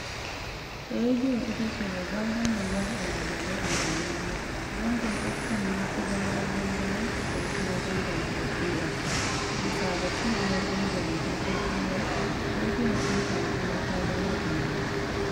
Rediyo ita ce babbar hanyar yaɗa labarai a Nijeriya. Zangon FM ya fi zama ruwan dare, sai kuma zangon AM. Bisa ga Cibiyar 'Yan Jaridu Ta Turai, rediyon intanet ma ta zama gama-gari.